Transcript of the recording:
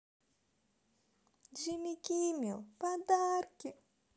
jimmy kimmel подарки